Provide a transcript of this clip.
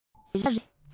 བརྗོད པ རེ རེ